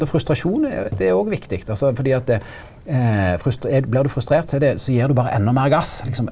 og frustrasjon er det er òg viktig altså fordi at det blir du frustrert så er det så gjev du berre endå meir gass liksom.